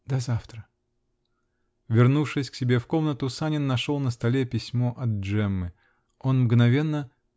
-- "До завтра!" Вернувшись к себе в комнату, Санин нашел на столе письмо от Джеммы . Он мгновенно.